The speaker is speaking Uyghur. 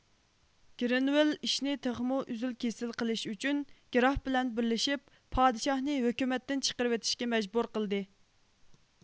گرېنۋىل ئىشنى تېخمۇ ئۈزۈل كېسىل قىلىش ئۈچۈن گراف بىلەن بىرلىشىپ پادىشاھنى ھۆكۈمەتتىن چىقىرىۋېتىشكە مەجبۇر قىلدى